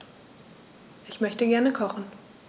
Ich möchte gerne kochen.